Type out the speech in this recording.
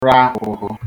ra ụ̄hụ̄